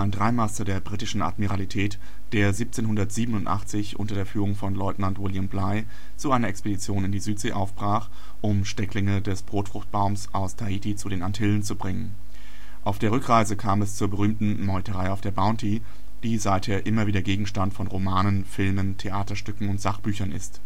Dreimaster der britischen Admiralität, der 1787 unter Führung von Leutnant William Bligh zu einer Expedition in die Südsee aufbrach, um Stecklinge des Brotfruchtbaums aus Tahiti zu den Antillen zu bringen. Auf der Rückreise kam es zur berühmten „ Meuterei auf der Bounty “, die seither immer wieder Gegenstand von Romanen, Filmen, Theaterstücken und Sachbüchern ist